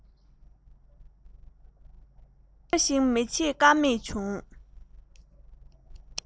འབུར དུ ཐོན པའི ཕོ བ ཆེན པོ